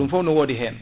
ɗum foof no wodi hen